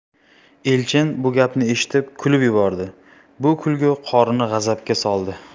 elchin bu gapni eshitib kulib yubordi bu kulgi qorini g'azabga soldi